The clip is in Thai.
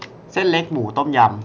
เส้นเล็กหมูต้มยำ